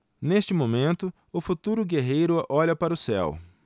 neste momento o futuro guerreiro olha para o céu